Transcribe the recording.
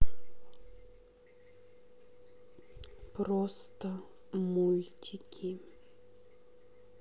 просто мультики